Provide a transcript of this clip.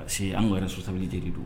Se an yɛrɛ sɔ sabali jeli don